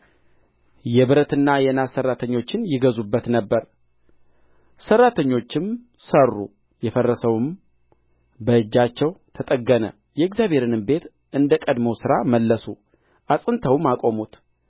የብረትና የናስ ሠራተኞችን ይገዙበት ነበር ሠራተኞችም ሠሩ የፈረሰውም በእጃቸው ተጠገነ የእግዚአብሔርንም ቤት እንደ ቀድሞው ሥራ መለሱ አጽንተውም አቆሙት